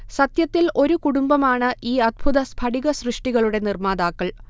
സത്യത്തിൽ ഒരു കുടുംബമാണ് ഈ അദ്ഭുത സ്ഥടികസൃഷ്ടികളുടെ നിർമാതാക്കൾ